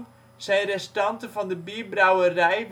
zijn restanten van de bierbrouwerij